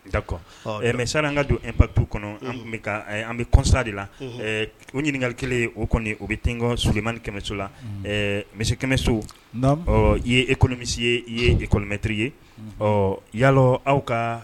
D'accord ɔɔ ,sanni an ka don impacts kɔnɔ; unhun; an tun bɛ ka an bɛ constat de la; unhun; ɛɛ, o ɲininkali 1 o bɛ tɛngɔ Sulemani Kɛmɛso la, ɛɛ monsieur Kɛmɛso; Naamu; I ye économiste ye i ye école maître ye; Unhun; ɔɔ yala aw ka